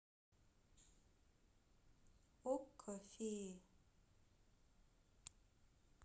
окко феи